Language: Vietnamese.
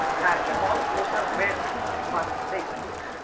gạt cái mõm của cô sang một bên vào thẳng vấn đề chính đi